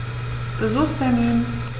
Besuchstermin